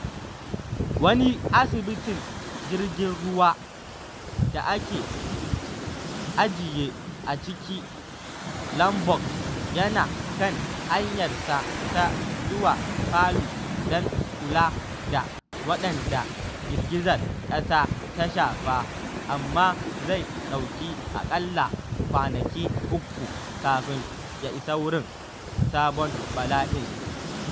Wani asibitin jirgin ruwa da aka ajiye a cikin Lombok yana kan hanyarsa ta zuwa Palu don kula da waɗanda girgizar ƙasar ta shafa, amma zai ɗauki aƙalla kwanaki uku kafin isa wurin sabon bala’in.